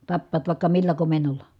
tappavat vaikka millä komennolla